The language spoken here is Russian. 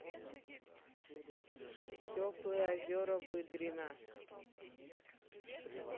теплые озера выдрино